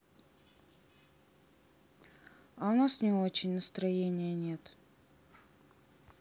а у нас не очень настроения нет